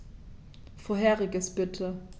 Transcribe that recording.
Vorheriges bitte.